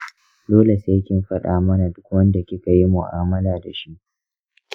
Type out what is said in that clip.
dole sai kin fada mana duk wanda kikayi mu'amala dashi.